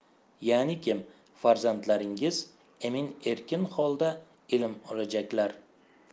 ya'nikim farzandlaringiz emin erkin holda ilm olajaklar